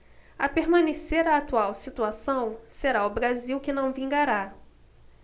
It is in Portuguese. a permanecer a atual situação será o brasil que não vingará